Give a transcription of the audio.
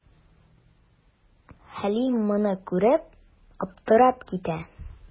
Хәлим моны күреп, аптырап китә.